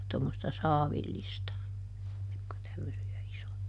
tuommoista saavillista jotka on tämmöisiä isoja